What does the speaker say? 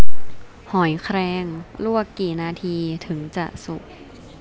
หอยแครงลวกกี่นาทีถึงจะสุก